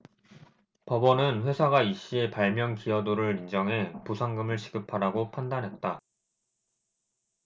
법원은 회사가 이씨의 발명 기여도를 인정해 보상금을 지급하라고 판단했다